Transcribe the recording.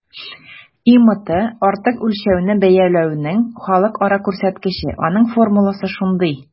ИМТ - артык үлчәүне бәяләүнең халыкара күрсәткече, аның формуласы шундый: